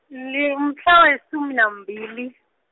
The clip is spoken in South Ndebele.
limhla wesumi nambili.